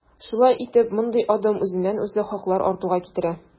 Шулай итеп, мондый адым үзеннән-үзе хаклар артуга китерә.